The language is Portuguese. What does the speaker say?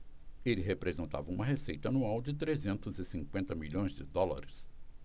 ele representava uma receita anual de trezentos e cinquenta milhões de dólares